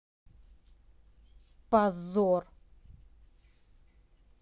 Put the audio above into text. позор